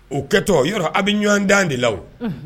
O kɛtɔ yɔrɔ aw bɛ ɲɔgɔn dan de la o